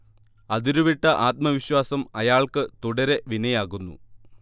അതിരുവിട്ട ആത്മവിശ്വാസം അയാൾക്ക് തുടരെ വിനയാകുന്നു